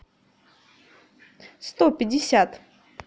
сто пятьдесят